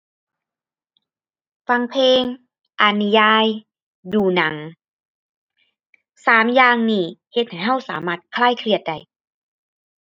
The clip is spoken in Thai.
ฟังเพลง อ่านนิยาย ดูหนัง สามอย่างนี้เฮ็ดให้เราสามารถคลายเครียดได้